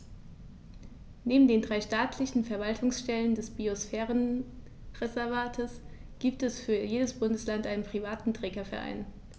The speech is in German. Neben den drei staatlichen Verwaltungsstellen des Biosphärenreservates gibt es für jedes Bundesland einen privaten Trägerverein.